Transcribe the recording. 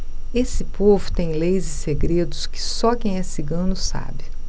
esse povo tem leis e segredos que só quem é cigano sabe